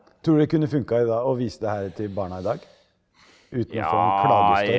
tror du det kunne funka i dag og vise det her til barna i dag uten å få en klagestorm?